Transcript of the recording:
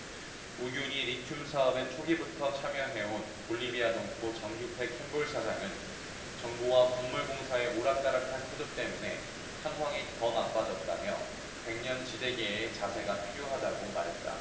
우유니 리튬 사업에 초기부터 참여해온 볼리비아 동포 정기태 켐볼 사장은 정부와 광물공사의 오락가락한 태도 때문에 상황이 더 나빠졌다며 백년지대계의 자세가 필요하다고 말했다